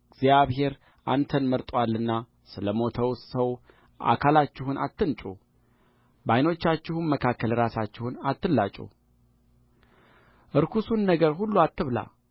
እግዚአብሔር አንተን መርጦአልና ስለ ሞተው ሰው አካላችሁን አትንጩ በዓይኖቻችሁም መካከል ራሳችሁን አትላጩ ርኩስን ነገር ሁሉ አትብላ